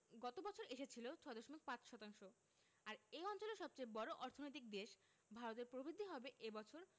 গত বছর এসেছিল ৬.৫ শতাংশ আর এ অঞ্চলের সবচেয়ে বড় অর্থনৈতিক দেশ ভারতের প্রবৃদ্ধি হবে এ বছর